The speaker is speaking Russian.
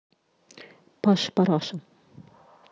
паша параша